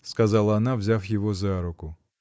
— сказала она, взяв его за руку.